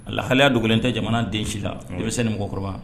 A lahaya dogolen tɛ jamana den si la i bɛ se nin mɔgɔkɔrɔba